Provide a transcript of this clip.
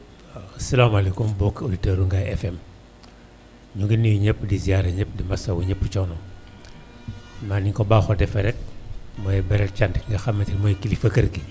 waaw asalaamualeykum mbokki auditeurs yu Ngaye FM ñu ngi nuyu ñëpp di ziar ñëpp di masawu ñëpp coono xam naa ni ñu ko baaxoo defee rek may beral cant ki nga xamante mooy kilifa kër gi